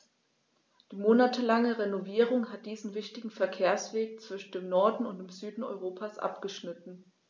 Die monatelange Renovierung hat diesen wichtigen Verkehrsweg zwischen dem Norden und dem Süden Europas abgeschnitten.